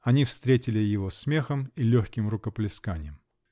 Они встретили его смехом и легким рукоплесканьем.